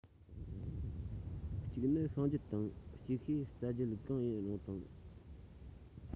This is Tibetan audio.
གཅིག ནི ཤིང རྒྱུད དང ཅིག ཤོས རྩྭ རྒྱུད གང ཡིན རུང དང